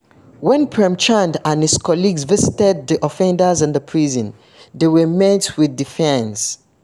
When Prem Chand and his colleagues visited the offenders in the prison, they were met with defiance: